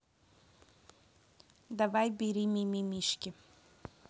давай бери мимимишки